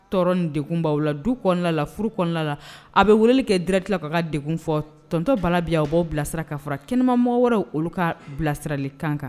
Tɔɔrɔ deg b'aw la du kɔnɔna la furu kɔnɔnala a bɛ wele kɛ drati ka ka deg fɔ tɔnontɔ bana bi u b'o bilasira ka fara kɛnɛmamɔgɔ wɛrɛ olu ka bilasirali kan kan